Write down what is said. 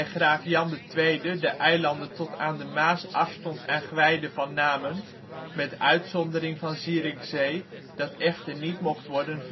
graaf Jan II de eilanden tot aan de Maas afstond aan Gwijde van Namen, met uitzondering van Zierikzee, dat echter niet mocht worden versterkt